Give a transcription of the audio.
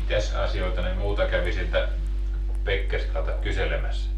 mitäs asioita ne muuta kävi siltä Pekkerskalta kyselemässä